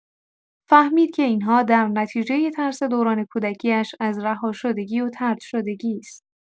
فهمید که این‌ها در نتیجه ترس دوران کودکی‌اش از رهاشدگی و طردشدگی است.